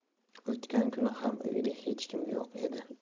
o'tgan kuni ham uyida hech kim yo'q edi